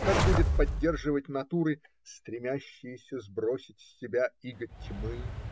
как будет поддерживать натуры, "стремящиеся сбросить с себя иго тьмы"